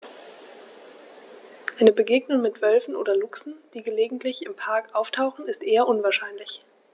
Eine Begegnung mit Wölfen oder Luchsen, die gelegentlich im Park auftauchen, ist eher unwahrscheinlich.